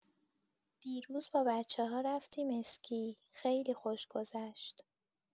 دیروز با بچه‌ها رفتیم اسکی، خیلی خوش گذشت!